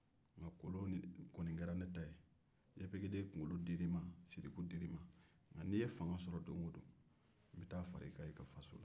kolon kɔni kɛra ne ta ye yefegeden kunkolo ni siriku dira i ma